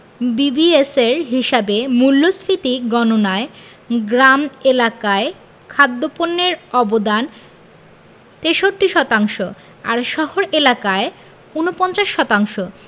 বিবিএসের হিসাবে মূল্যস্ফীতি গণনায় গ্রাম এলাকায় খাদ্যপণ্যের অবদান ৬৩ শতাংশ আর শহর এলাকায় ৪৯ শতাংশ